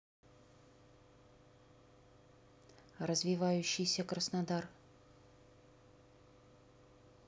развивающийся краснодар